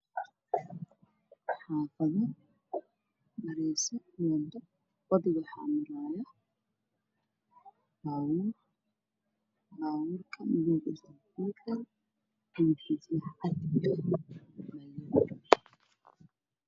Waa meel waddo oo biyo la fadhiyaan gaari ayaa soo socda oo hoomay ah guryo ayaa geesaha oo